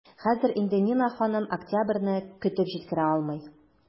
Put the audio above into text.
Хәзер инде Нина ханым октябрьне көтеп җиткерә алмый.